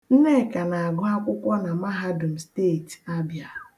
Nneka na-agụ akwụkwọ na Mahadum Steeti Abịa.